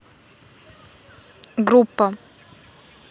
группа